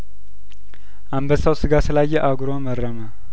አንበሳው ስጋ ስላ የአጉረመረ መ